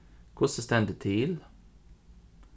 hvussu stendur til